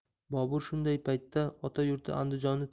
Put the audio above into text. bobur shunday paytda ota yurti andijonni